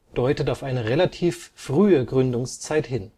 deutet auf eine relativ frühe Gründungszeit hin